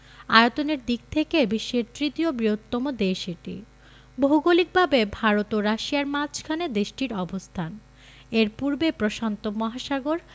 আয়তনের দিক থেকে বিশ্বের তৃতীয় বৃহত্তম দেশ এটি ভৌগলিকভাবে ভারত ও রাশিয়ার মাঝখানে দেশটির অবস্থান এর পূর্বে প্রশান্ত মহাসাগর